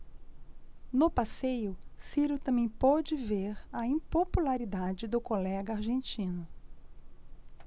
no passeio ciro também pôde ver a impopularidade do colega argentino